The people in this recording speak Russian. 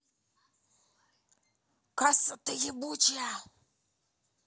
casa ты ебучая